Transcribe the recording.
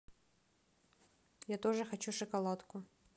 я тоже хочу шоколадку